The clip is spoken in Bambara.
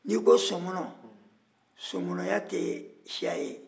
n'i ko sɔmɔnɔ sɔmɔnɔya tɛ siya ye